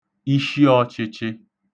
ishiochichi